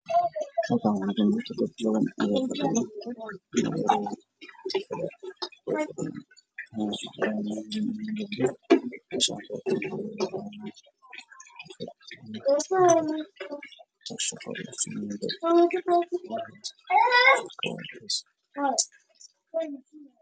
Waa hool ay fadhiyaan wililal iyo gabdha